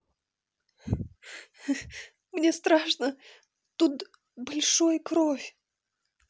мне страшно тут большой кровь